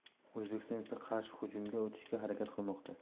o'zbekiston esa qarshi hujumga o'tishga harakat qilmoqda